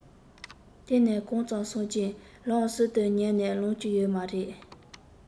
དེ ནས གང ཙམ སོང རྗེས ལམ ཟུར དུ ཉལ ནས ལངས ཀྱི ཡོད མ རེད